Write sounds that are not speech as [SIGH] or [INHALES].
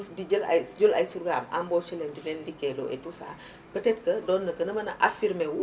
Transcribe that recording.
di jël ay di jël ay surgaam embauché leen di leen liggéeyloo et tout ça [INHALES] peut être que doon na gën a mën a affirmé wu